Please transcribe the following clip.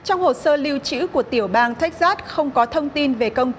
trong hồ sơ lưu trữ của tiểu bang tếch dát không có thông tin về công ty